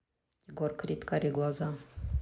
егор крид карие глаза